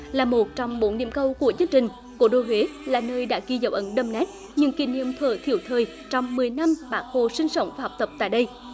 là một trong bốn điểm cầu của chương trình cố đô huế là nơi đã ghi dấu ấn đậm nét những kỷ niệm thuở thiếu thời trong mười năm bác hồ sinh sống và học tập tại đây